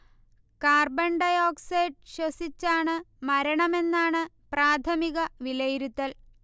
carbon dioxide ശ്വസിച്ചാണ് മരണമെന്നാണ് പ്രാഥമിക വിലയിരുത്തൽ